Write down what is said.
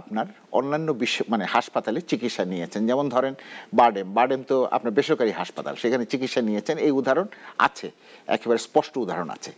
আপনার অন্যান্য বিশ্বে মানে হাসপাতালে চিকিৎসা নিয়েছেন যেমন ধরেন বারডেম বারডেম তো আপনার বেসরকারী হাসপাতাল সেখানে চিকিৎসা নিয়েছেন এই উদাহরণ আছে একেবারে স্পষ্ট উদাহরণ আছে